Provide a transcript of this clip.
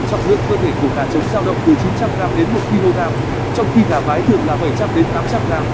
trọng lượng cơ thể của gà trống dao động từ g kg trong khi gà mái thường là g